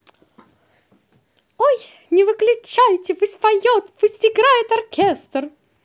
ой не выключай пусть поет пусть играет оркестр